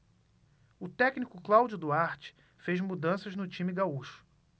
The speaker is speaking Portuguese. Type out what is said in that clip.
o técnico cláudio duarte fez mudanças no time gaúcho